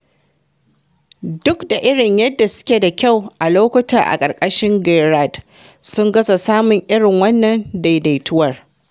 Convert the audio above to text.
Duk da irin yadda suke da kyau a lokutan a ƙarƙashin Gerrard, sun gaza samun irin wadannan daidaituwar.